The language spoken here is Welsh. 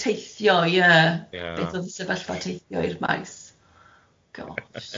teithio ie beth o'dd y sefyllfa teithio i'r maes. Gosh.